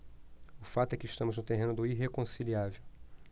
o fato é que estamos no terreno do irreconciliável